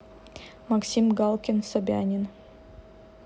максим галкин собянин